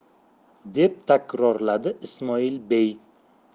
deb takrorladi ismoilbey